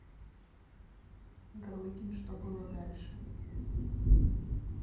галыгин что было дальше